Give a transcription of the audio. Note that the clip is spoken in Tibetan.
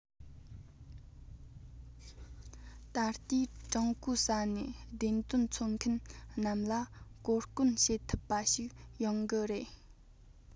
ད ལྟའི ཀྲུང གོའི ས ནས བདེན དོན འཚོལ མཁན རྣམས ལ གོ བསྐོན བྱེད ཐུབ པ ཞིག ཡོང གི རེད